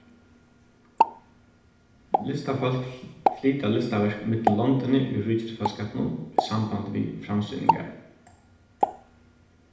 listafólk flyta listaverk millum londini í ríkisfelagsskapinum í sambandi við framsýningar